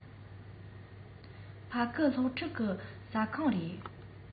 ཕ གི སློབ ཕྲུག གི ཟ ཁང རེད